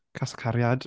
Casa Cariad.